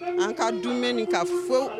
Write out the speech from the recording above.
An ka dunen nin kan fo